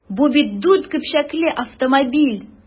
Бу бит дүрт көпчәкле автомобиль!